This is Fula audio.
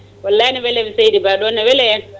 wallay ne welami seydi Ba ɗon ne weela en